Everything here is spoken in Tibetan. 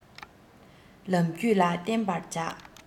ལམ རྒྱུད ལ བརྟེན པར བྱ